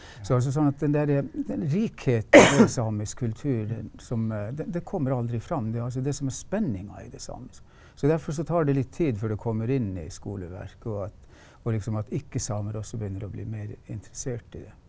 så altså sånn at den derre den rikheten i samisk kultur som det det kommer aldri fram det altså det som er spenninga i det samiske så derfor så tar det litt tid før det kommer inn i skoleverket at og at liksom at ikke-samer også begynner å bli mer interessert i det.